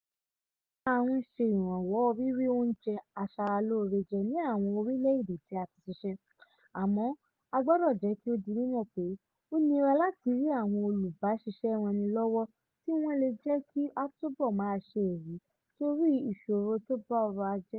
A máa ń ṣe ìrànwọ́ rírí oúnjẹ aṣaralóore jẹ ní àwọn orìlẹ̀ èdè tí a ti ṣiṣẹ, àmọ́, a gbọ́dọ̀ jẹ́ kò di mímọ̀ pé ó nira láti rí àwọn olùbáṣiṣẹ́-rannilọ́wọ́ tí wọ́n lè jẹ́ kí a túbọ̀ máa ṣe èyí torí ìṣòro tó bá ọrọ̀ ajé.